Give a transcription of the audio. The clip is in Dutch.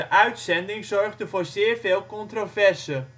uitzending zorgde voor zeer veel controverse